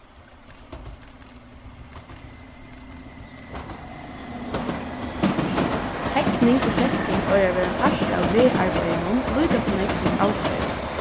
hegning og skelting eigur at vera ein partur av vegarbeiðinum líka so nógv sum autoverja